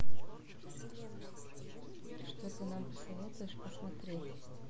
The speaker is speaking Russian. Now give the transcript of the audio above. что ты нам посоветуешь посмотреть